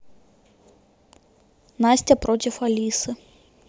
настя против алисы